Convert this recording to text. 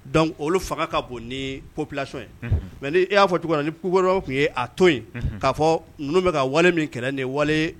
Dɔnku olu fanga ka bon ni ko ye mɛ i y'a fɔ cogo ni tun a to in k'a fɔ bɛ ka wale min kɛlɛ nin wale